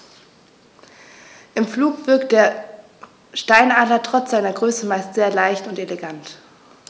Im Flug wirkt der Steinadler trotz seiner Größe meist sehr leicht und elegant.